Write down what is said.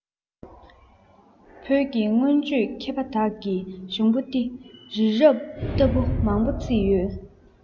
བོད ཀྱི སྔོན བྱོན མཁས པ དག གི གཞུང པོ ཏི རི རབ ལྟ བུ མང བོ བརྩིགས ཡོད